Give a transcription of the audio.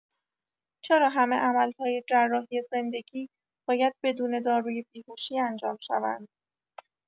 چرا همه عمل‌های جراحی زندگی باید بدون داروی بی‌هوشی انجام شوند؟